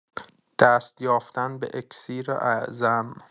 دست‌یافتن به اکسیر اعظم